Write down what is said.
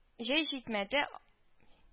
Җәй җитмәде